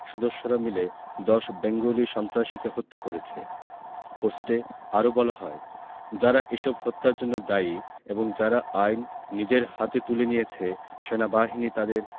সদস্যরা মিলে ১০ বেঙ্গলি সন্ত্রাসীকে হত্যা করেছে পোস্টে আরো বলা হয় যারা এসব হত্যার জন্য দায়ী এবং যারা আইন নিজের হাতে তুলে নিয়েছে সেনাবাহিনী তাদের